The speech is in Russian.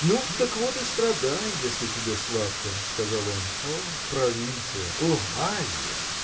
– Ну, так вот и страдай, если тебе сладко, – сказал он. – О, провинция! о, Азия!